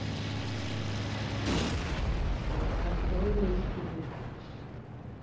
открой мои фильмы